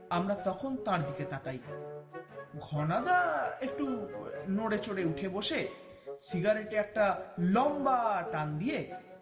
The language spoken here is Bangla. আমরা তখন তার দিকে তাকাই ঘনাদা একটু নড়ে চড়ে উঠে বসে সিগারেটে একটা লম্বা টান দিয়ে